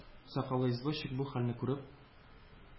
Сакаллы извозчик бу хәлне күреп,